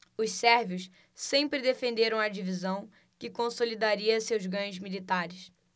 os sérvios sempre defenderam a divisão que consolidaria seus ganhos militares